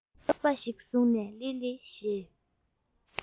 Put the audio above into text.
ཕོར པ ཞིག བཟུང ནས ལི ལི ཞེས